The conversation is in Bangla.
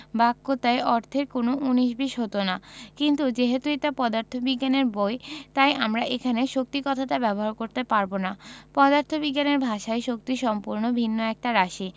বাক্যটায় অর্থের কোনো উনিশ বিশ হতো না কিন্তু যেহেতু এটা পদার্থবিজ্ঞানের বই তাই আমরা এখানে শক্তি কথাটা ব্যবহার করতে পারব না পদার্থবিজ্ঞানের ভাষায় শক্তি সম্পূর্ণ ভিন্ন একটা রাশি